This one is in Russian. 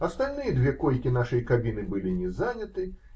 Остальные две койки нашей кабины были не заняты.